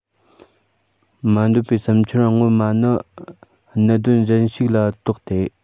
མ འདོད པའི བསམ འཆར སྔོན མ ནི གནད དོན གཞན ཞིག ལ གཏོགས ཏེ